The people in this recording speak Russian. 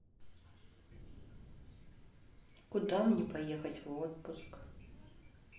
куда мне поехать в отпуск